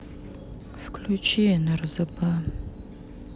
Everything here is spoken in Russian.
включи нрзб